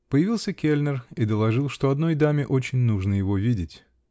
Появился кельнер и доложил, что одной даме очень нужно его видеть.